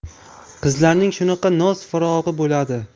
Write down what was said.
qizlarning shunaqa noz firog'i bo'ladi